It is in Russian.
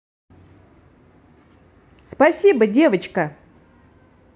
спасибо девочка